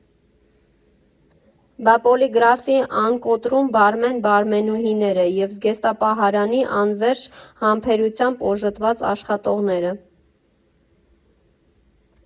Բա Պոլիգրաֆի անկոտրում բարմեն֊բարմենուհիները և զգեստապահարանի անվերջ համբերությամբ օժտված աշխատողները։